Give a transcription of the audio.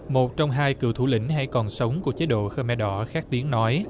một trong hai cựu thủ lĩnh nay còn sống của chế độ khơ me đỏ khét tiếng nói